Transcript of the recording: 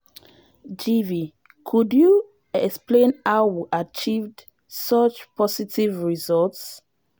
GV:Could you explain how we achieved such positive results?